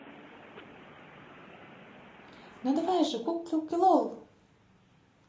ну давай же куколки лол